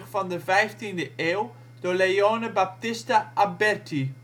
van de vijftiende eeuw door Leone Battista Alberti